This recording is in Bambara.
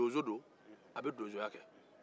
donso don